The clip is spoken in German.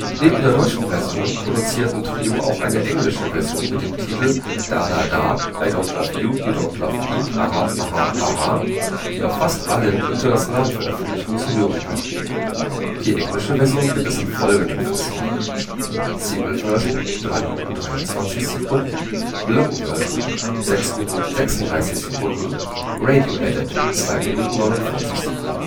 Neben der deutschen Version produzierten Trio auch eine englische Version mit dem Titel „ Da Da Da I Don't Love You You Don't Love Me Aha Aha Aha “, die auf fast allen internationalen Veröffentlichungen zu hören war. Die englische Version gibt es in folgenden Fassungen: Single-Version 3:23 Long Version 6:36 Radio Edit 2:49